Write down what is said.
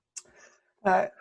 Yy